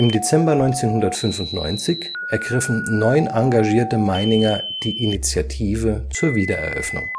Dezember 1995 ergriffen neun engagierte Meininger die Initiative zur Wiedereröffnung